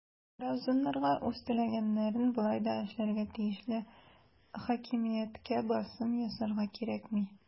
Гражданнарга үз теләгәннәрен болай да эшләргә тиешле хакимияткә басым ясарга кирәкми.